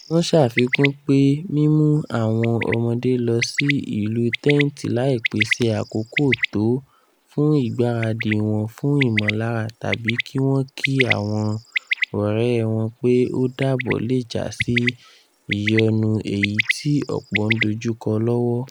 Wọn ṣafikun pe mimu awọn ọmọde lọsi ilu tẹnti laipese akoko to fun igbaradi wọn fun imọlara tabi ki wọn ki awọn ọrẹ wọn pe o dabọ le jasi iyọnueyi ti ọpọ n dojukọ lọwọ.